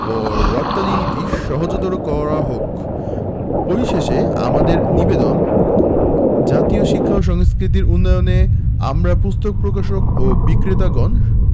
ও রপ্তানী নীতি সহজতর করা হোক পরিশেষে আমাদের নিবেদন জাতীয় শিক্ষা ও সংস্কৃতি উন্নয়নে আমরা পুস্তক প্রকাশক ও বিক্রেতাগণ